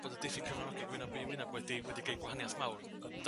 bod y diffyg cyfanogi gwynab yn wynab wedi wedi g'neud gwahaniaeth mawr 'da